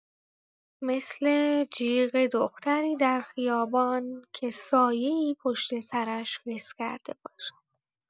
مثل جیغ دختری در خیابان که سایه‌ای پشت‌سرش حس کرده باشد.